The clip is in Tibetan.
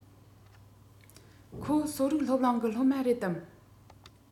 ཁོ གསོ རིག སློབ གླིང གི སློབ མ རེད དམ